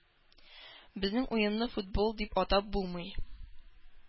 “безнең уенны футбол дип атап булмый.